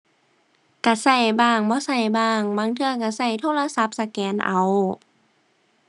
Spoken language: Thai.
ก็ก็บ้าง บ่ก็บ้าง บางเทื่อก็ก็โทรศัพท์สแกนเอา